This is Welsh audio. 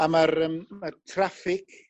A ma'r yym ma'r traffig